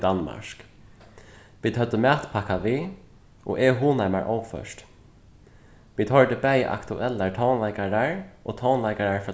danmark vit høvdu matpakka við og eg hugnaði mær óført vit hoyrdu bæði aktuellar tónleikarar og tónleikarar frá